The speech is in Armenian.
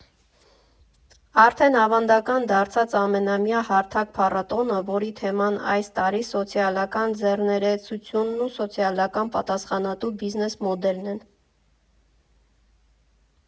Արդեն ավանդական դարձած ամենամյա «Հարթակ» փառատոնը, որի թեման այս տարի սոցիալական ձեռներեցությունն ու սոցիալական պատասխանատու բիզնես մոդելն են։